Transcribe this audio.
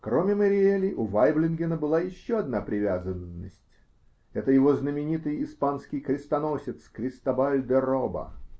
Кроме Мэриели у Вайблингена была еще одна привязанность: это его знаменитый испанский крестоносец Кристобаль де Роба.